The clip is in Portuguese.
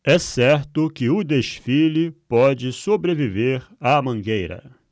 é certo que o desfile pode sobreviver à mangueira